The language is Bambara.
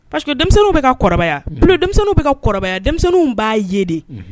Pa que denmisɛnninw bɛ ka kɔrɔbaya denmisɛnnin bɛ ka kɔrɔbaya denmisɛnnin b'a ye de